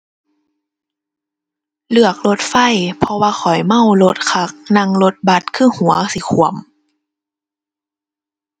เลือกรถไฟเพราะว่าข้อยเมารถคัก นั่งรถบัสคือหัวสิคว่ำ